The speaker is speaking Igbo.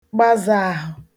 gbazā àhụ